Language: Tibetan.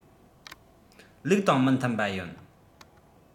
ལུགས དང མི མཐུན པ ཡིན